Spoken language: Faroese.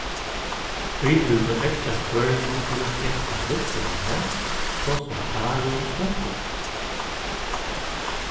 vit vildu eggja føroyingum til at eta villan mat so sum haru og fugl